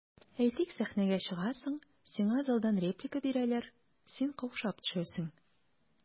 Әйтик, сәхнәгә чыгасың, сиңа залдан реплика бирәләр, син каушап төшәсең.